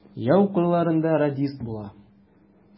Яу кырларында радист була.